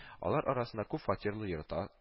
Алар арасында күп фатирлы йортла